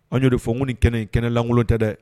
An y'o de fɔmkun ni kɛnɛ kɛnɛ langolo tɛ dɛ